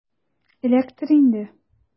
Эләктер инде!